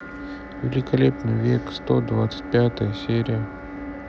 великолепный век сто двадцать пятая серия